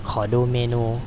ขอดูเมนู